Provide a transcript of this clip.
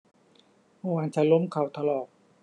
เมื่อวานฉันล้มเข่าถลอก